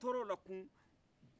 a tor' o la tun